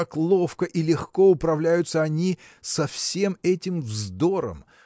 как ловко и легко управляются они со всем этим вздором